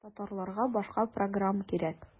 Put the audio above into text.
Татарларга башка программ кирәк.